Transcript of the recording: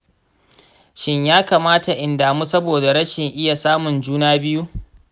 shin ya kamata in damu saboda rashin iya samun juna biyu?